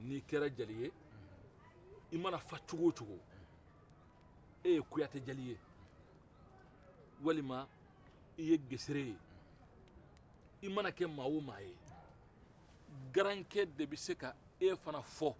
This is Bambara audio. n'i kɛra jeli ye i mana fa cogo o cogo e ye kuyatɛ jeli ye walima i ye gesere ye i mana kɛ maa o maa ye garankɛ de bɛ se k'e fɛnɛ fɔ